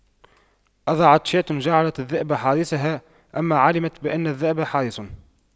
أضعت شاة جعلت الذئب حارسها أما علمت بأن الذئب حراس